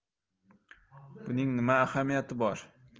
buning nima ahamiyati bor